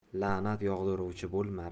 la'nat yog'diruvchi bo'lma